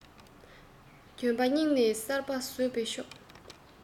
གྱོན པ རྙིངས ན གསར པ བཟོས པས ཆོག